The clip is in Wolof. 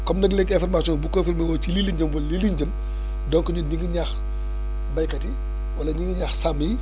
comme nag léegi information bu confirmé woo ci lii lañ jëm wala lii lañ jëm donc ñun ñu ngi ñaax béykat yi wala ñu ngi ñaax sàmm yi